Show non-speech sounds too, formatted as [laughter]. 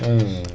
[hesitation] [hesitation]